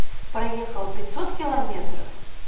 проехал пятьсот километров